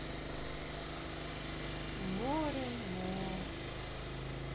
море мо